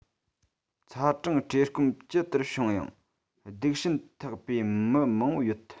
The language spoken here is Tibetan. ཚ གྲང བཀྲེས སྐོམ ཇི ལྟར བྱུང ཡང སྡུག སྲན ཐེག པའི མི མང པོ ཡོད